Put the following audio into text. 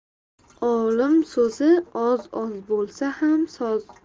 olim so'zi oz oz bo'lsa ham soz